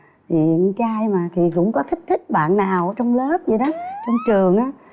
thì con trai mà thì cũng có thích thích bạn nào ở trong lớp vậy đó trên trường á